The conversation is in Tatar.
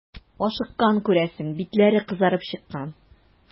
Ашыккан, күрәсең, битләре кызарып чыккан.